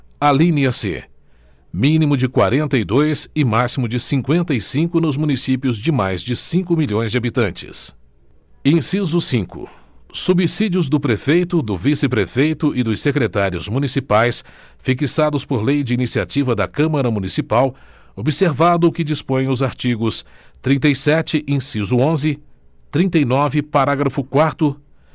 alínea c mínimo de quarenta e dois e máximo de cinqüenta e cinco nos municípios de mais de cinco milhões de habitantes inciso cinco subsídios do prefeito do vice prefeito e dos secretários municipais fixados por lei de iniciativa da câmara municipal observado o que dispõem os artigos trinta e sete inciso onze trinta e nove parágrafo quarto